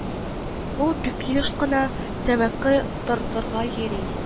Ул бик еш кына тәмәке тартырга йөри